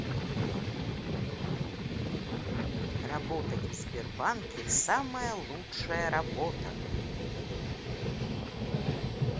работать в сбербанке самая лучшая работа